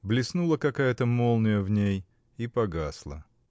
Блеснула какая-то молния в ней и погасла.